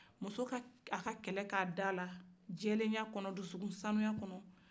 muso ka a ka kɛlɛ kɛ a da la jɛlenya kɔnɔ dusukunsanuya kɔnɔ